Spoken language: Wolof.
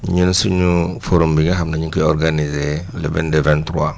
ñun suñu forum bi nga xam ne ñu ngi koy organisé le 22 23